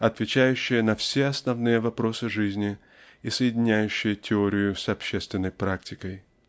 отвечающее на все основные вопросы жизни и соединяющее теорию с общественной практикой.